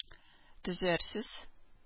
Төзәрсез